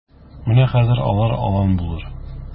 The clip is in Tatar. Менә хәзер алда алан булыр.